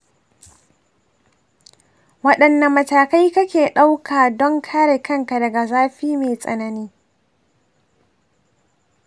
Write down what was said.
wadanne matakai kake ɗauka don kare kanka daga zafi mai tsanani?